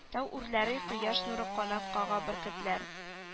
Тау-үрләрдә кояш нуры канат кага бөркетләр